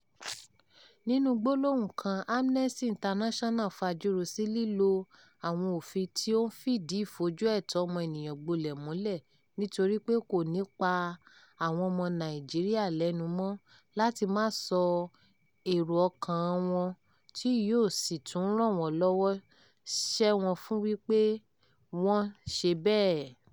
Nínú gbólóhùn kan, Amnesty International fajúro sí lílo "àwọn òfin tí ó ń fìdìí ìfojú ẹ̀tọ́ ọmọnìyàn gbolẹ̀ múlẹ̀ " nítorí pé kò ní pa àwọn ọmọ Nàìjíríà lẹ́nu mọ́ "láti máà sọ èrò ọkàn-an wọn" tí yóò sì tún "rán wọn lọ s'ẹ́wọ̀n fún wípé wọ́n ṣe bẹ́ẹ̀ ".